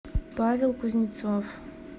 павел кузнецов